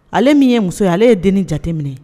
Ale min ye muso ye ale ye den jateminɛ